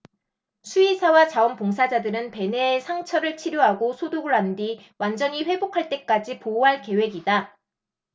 수의사와 자원 봉사자들은 벤의 상처를 치료하고 소독을 한 뒤 완전히 회복할 때까지 보호할 계획이다